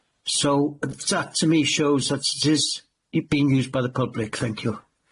So that to me shows that it is being used by the public, thank you.